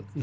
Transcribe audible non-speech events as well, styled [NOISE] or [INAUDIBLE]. [HESITATION] [HESITATION]